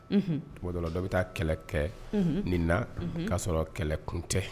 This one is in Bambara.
Dɔ dɔ bɛ taa kɛlɛ kɛ nin na'a sɔrɔ kɛlɛkun tɛ